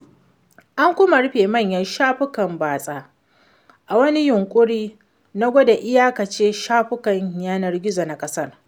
An kuma rufe manyan shafukan batsa, a wani yunƙuri na gwada iya tace shafukan yanar gizo na ƙasar.